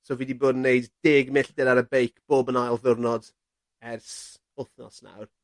So fi 'di bod yn neud deg milltir ar y beic bob yn ail ddiwrnod ers wthnos nawr.